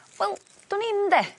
Wel dwn i 'im 'de.